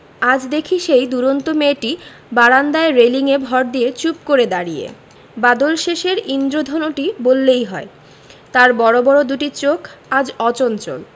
আজ দেখি সেই দূরন্ত মেয়েটি বারান্দায় রেলিঙে ভর দিয়ে চুপ করে দাঁড়িয়ে বাদলশেষের ঈন্দ্রধনুটি বললেই হয় তার বড় বড় দুটি চোখ আজ অচঞ্চল